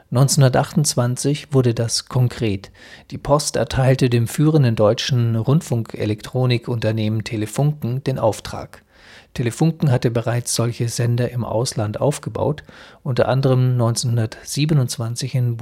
1928 wurde das konkret: Die Post erteilte dem führenden deutschen Rundfunkelektronikunternehmen Telefunken den Auftrag. Telefunken hatte bereits solche Sender im Ausland aufgebaut, unter anderem 1927 in